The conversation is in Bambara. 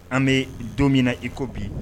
An bɛ don min iko bi